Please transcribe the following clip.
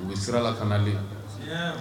U bɛ siralak